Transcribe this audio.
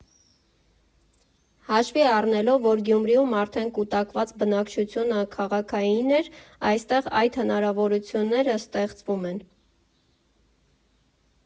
Հաշվի առնելով, որ Գյումրիում արդեն կուտակված բնակչությունը քաղաքային էր, այստեղ այդ հնարավորությունները ստեղծվում են։